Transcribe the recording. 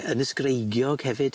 Ynys Greigiog hefyd.